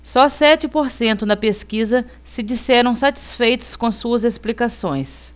só sete por cento na pesquisa se disseram satisfeitos com suas explicações